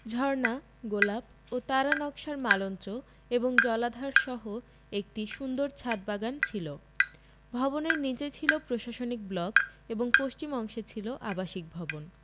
ঝর্ণা গোলাপ ও তারা নকশার মালঞ্চ এবং জলাধারসহ একটি সুন্দর ছাদ বাগান ছিল ভবনের নিচে ছিল প্রশাসনিক ব্লক এবং পশ্চিম অংশে ছিল আবাসিক ভবন